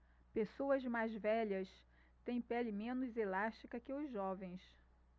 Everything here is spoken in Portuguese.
pessoas mais velhas têm pele menos elástica que os jovens